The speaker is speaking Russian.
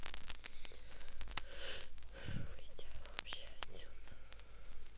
выйди вообще отсюда